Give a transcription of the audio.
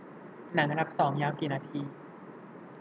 หนังอันดับสองยาวกี่นาที